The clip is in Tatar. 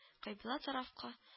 Кыйбла тарафка